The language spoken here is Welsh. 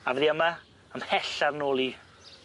A fydd 'i yma ymhell ar yn ôl i.